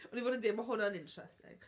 Ond i fod yn deg mae hwn yn interesting.